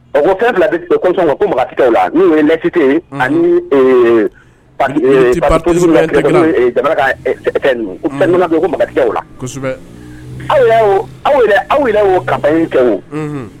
O ko kɛra bila ma ko la ani da la kosɛbɛ aw aw o ka in kɛ o